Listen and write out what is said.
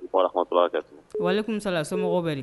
wa aleyikum sala somɔgɔw bɛ di?